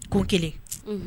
Ko kelen, unhun